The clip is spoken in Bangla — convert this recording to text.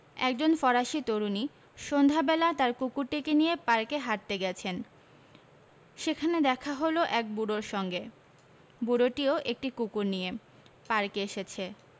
একজন ফরাসি তরুণী সন্ধ্যাবেলা তার কুকুরটিকে নিয়ে পার্কে হাঁটতে গেছেন সেখানে দেখা হল এক বুড়োর সঙ্গে বুড়োটিও একটি কুকুর নিয়ে পার্কে এসেছে